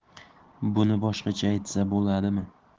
buni boshqacha aytsa bo'ladimi